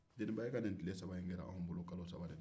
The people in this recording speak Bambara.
deniba e ka nin tile saba in kɛra an bolo kalo saba de ye